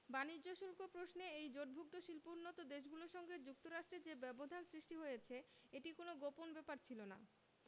বাণিজ্য শুল্ক প্রশ্নে এই জোটভুক্ত শিল্পোন্নত দেশগুলোর সঙ্গে যুক্তরাষ্ট্রের যে ব্যবধান সৃষ্টি হয়েছে এটি কোনো গোপন ব্যাপার ছিল না